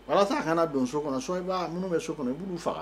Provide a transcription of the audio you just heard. Walasa a ka don so kɔnɔ so i b'a bɛ so kɔnɔ i b'u faga